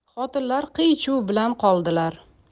xotinlar qiy chuv bilan qoldilar